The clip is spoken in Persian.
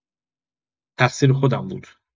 تقصیر خودم بود.